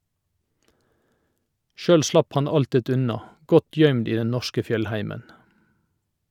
Sjølv slapp han alltid unna, godt gøymd i den norske fjellheimen.